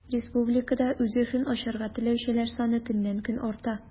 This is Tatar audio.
Республикада үз эшен ачарга теләүчеләр саны көннән-көн арта.